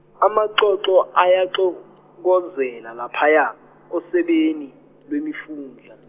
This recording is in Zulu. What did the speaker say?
amaxoxo ayaxokozela laphaya, osebeni, lwemifundla-.